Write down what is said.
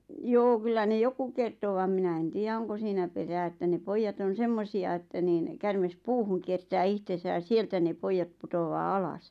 joo kyllä ne jotkut kertoi vaan minä en tiedä onko siinä perää että ne pojat on semmoisia että niin käärme puuhun - kiertää itsensä ja sieltä ne pojat putoaa alas